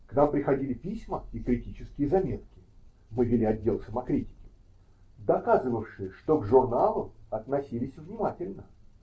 К нам приходили письма и критические заметки (мы вели отдел самокритики), доказывавшие, что к журналу относились внимательно